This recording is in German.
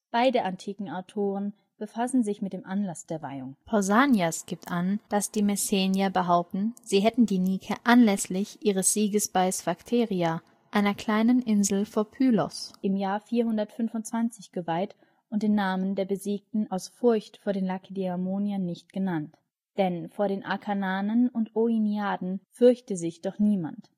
Beide antiken Autoren befassen sich mit dem Anlass der Weihung. Pausanias gibt an, dass die Messenier behaupteten, sie hätten die Nike anlässlich ihres Sieges bei Sphakteria, einer kleinen Insel vor Pylos, im Jahr 425 geweiht und den Namen der Besiegten aus Furcht vor den Lakedaimoniern nicht genannt, „ denn vor den Akarnanen und Oiniaden fürchte sich doch niemand